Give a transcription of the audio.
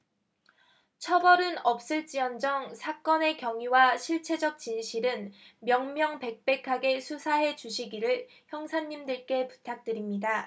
처벌은 없을지언정 사건의 경위와 실체적 진실은 명명백백하게 수사해주시기를 형사님들께 부탁드립니다